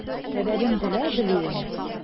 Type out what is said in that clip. Сәбәбен белә белүен.